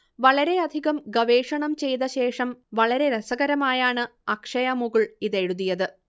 വളരെയധികം ഗവേഷണം ചെയ്തശേഷം, വളരെ രസകരമായാണ് അക്ഷയ മുകുൾ ഇതെഴുതിയത്